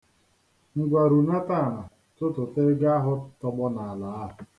Ngwa runata ala tụtụta ego ahụ tọgbọ n'ala ahụ.